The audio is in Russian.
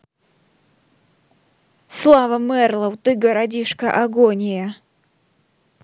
слава мэрлоу ты городишка агония